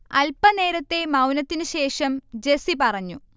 അൽപ്പനേരത്തെ മൗനത്തിനു ശേഷം ജെസ്സി പറഞ്ഞു